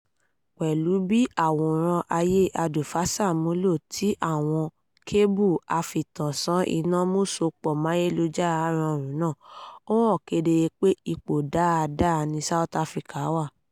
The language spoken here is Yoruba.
Pẹ̀lú bí àwòrán ayé adùnfáṣàmúlò ti àwọn kébù afìtànsán-iná-músopọ̀máyélujára-rọrùn náà, ó hàn kedere pé ipò dáadáa ni South Africa wà.